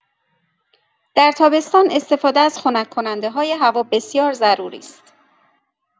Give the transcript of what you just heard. در تابستان، استفاده از خنک‌کننده‌های هوا بسیار ضروری است.